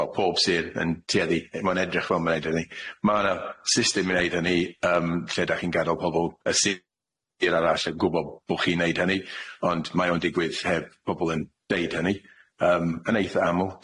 ma' pob Sir yn tueddi mae'n edrych fel ma'n neud hynny ma' na system yn neud hynny yym lle dach chi'n gad'el pobol y Sir arall yn gwbo bo' chi'n neud hynny ond mae o'n digwydd heb pobol yn deud hynny yym yn eitha aml,